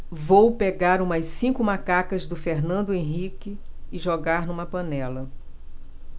vou pegar umas cinco macacas do fernando henrique e jogar numa panela